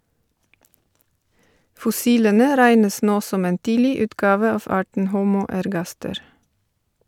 Fossilene regnes nå som en tidlig utgave av arten Homo ergaster.